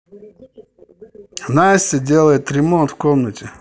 настя делает ремонт в комнате